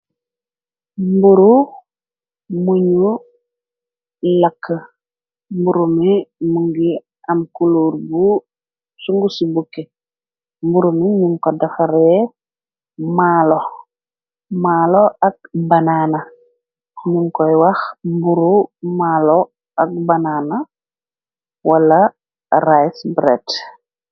Mburu muñu lakk mburumi mu ngi am kuluur bu su ngu ci bukke mburumi muñ ko dafaree maalo ak banaana mun koy wax mburu malo ak banaana wala rice bred.